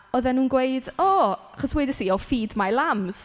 Oedden nhw'n gweud "o". Achos wedes i "o feed my lambs".